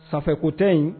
Ça fait o tɛ in